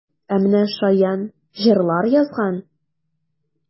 Ә менә шаян җырлар язган!